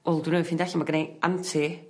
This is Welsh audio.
wel dwi newy ffindio alla ma' gennai aunty.